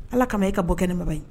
Ala kama e ka bɔ kɛ ni baba ye